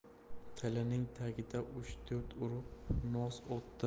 tilining tagiga uch to'rt urib nos otdi